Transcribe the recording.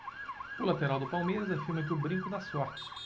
o lateral do palmeiras afirma que o brinco dá sorte